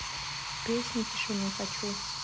песня тишины хочу